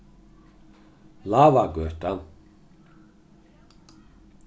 lavagøta